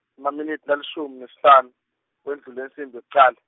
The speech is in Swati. emaminitsi lalishumi nesihlanu, kwendlule insimbi yekucala.